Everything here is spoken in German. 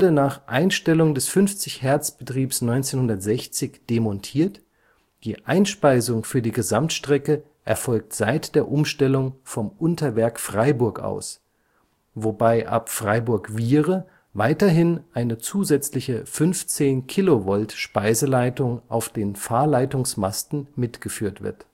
nach Einstellung des 50 Hz-Betriebs 1960 demontiert, die Einspeisung für die Gesamtstrecke erfolgt seit der Umstellung vom Unterwerk Freiburg aus, wobei ab Freiburg-Wiehre weiterhin eine zusätzliche 15 kV-Speiseleitung auf den Fahrleitungsmasten mitgeführt wird